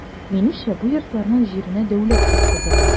Минемчә бу йортларның җиренә дәүләт бик кызыга.